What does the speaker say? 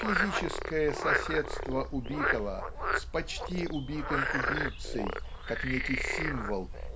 Физическое соседство убитого с почти убитым убийцей как некий символ